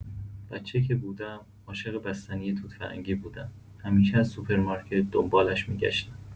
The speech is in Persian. بچه که بودم عاشق بستنی توت‌فرنگی بودم، همیشه از سوپرمارکت دنبالش می‌گشتم.